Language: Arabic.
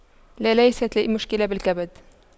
لا ليست لي أي مشكلة بالكبد